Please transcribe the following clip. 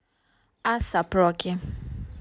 a$ap rocky